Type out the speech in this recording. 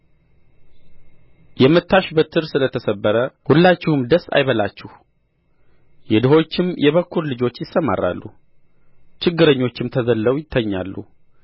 የመታሽ በትር ስለ ተሰበረ ሁላችሁም ደስ አይበላችሁ የድሆችም የበኵር ልጆች ይሰማራሉ ችግረኞችም ተዘልለው ይተኛሉ